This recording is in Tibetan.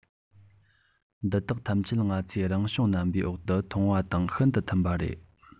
འདི དག ཐམས ཅད ང ཚོས རང བྱུང རྣམ པའི འོག ཏུ མཐོང བ དང ཤིན ཏུ མཐུན པ རེད